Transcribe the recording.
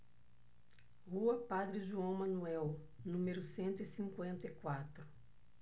rua padre joão manuel número cento e cinquenta e quatro